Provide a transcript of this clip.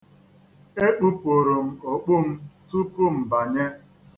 E kpupuru m okpu m tupu m banye.